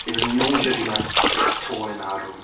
There was no judginess at all in that room.